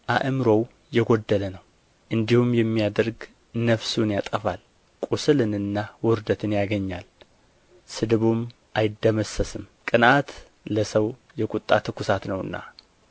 አእምሮው የጐደለ ነው እንዲሁም የሚያደርግ ነፍሱን ያጠፋል ቍስልንና ውርደትን ያገኛል ስድቡም አይደመሰስም ቅንዓት ለሰው የቍጣ ትኵሳት ነውና